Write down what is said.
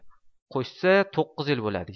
qo'shsa to'qqiz yil bo'ladi